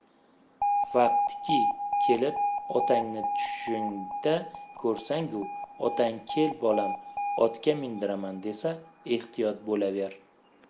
vaqtiki kelib otangni tushingda ko'rsangu otang kel bolam otga mindiraman desa ehtiyot bo'laver